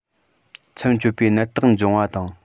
མཚམས གཅོད པའི ནད རྟགས འབྱུང བ དང